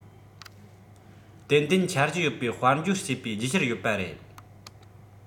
ཏན ཏན འཆར གཞི ཡོད པའི དཔལ འབྱོར བྱས པའི རྗེས ཤུལ ཡོད པ རེད